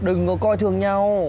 đừng có coi thường nhau